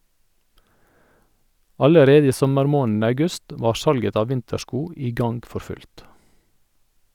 Allerede i sommermåneden august var salget av vintersko i gang for fullt.